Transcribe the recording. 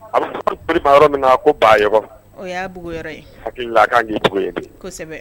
Yɔrɔ min na ko ba y'a b k'i ye kosɛbɛ